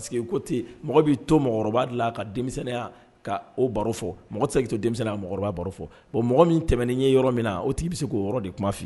Que ko ten mɔgɔ b'i to ka denmisɛnninya baro mɔgɔ toya baro fɔ bon mɔgɔ min tɛmɛn'i ye yɔrɔ min na o t' i bɛ se k' o yɔrɔ de kuma f fɔ ye